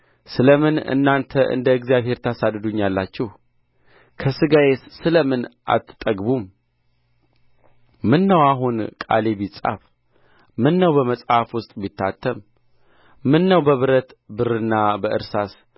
ስለ ምን እናንተ እንደ እግዚአብሔር ታሳድዱኛላችሁ ከሥጋዬስ ስለ ምን አትጠግቡም ምነው አሁን ቃሌ ቢጻፍ ምነው በመጽሐፍ ውስጥ ቢታተም ምነው በብረት ብርና በእርሳስ